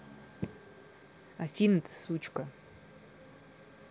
афина ты сучка